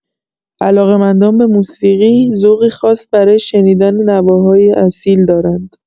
علاقه‌مندان به موسیقی، ذوقی خاص برای شنیدن نواهای اصیل دارند.